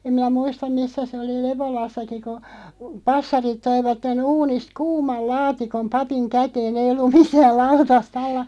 en minä muista missä se oli Lepolassakin kun passarit toivat uunista kuuman laatikon papin käteen ei ollut mitään lautasta alla